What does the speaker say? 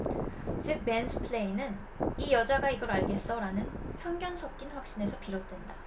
즉 맨스플레인은 이 여자가 이걸 알겠어 라는 편견 섞인 확신에서 비롯된다